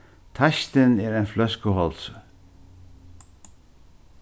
teistin er ein fløskuhálsur